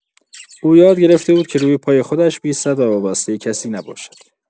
او یاد گرفته بود که روی پای خودش بایستد و وابستۀ کسی نباشد.